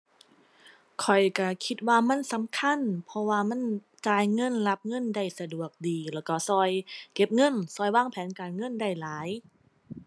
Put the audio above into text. ข้อยก็คิดว่ามันสำคัญเพราะว่ามันจ่ายเงินรับเงินได้สะดวกดี แล้วก็ก็เก็บเงิน ก็วางแผนการเงินได้หลาย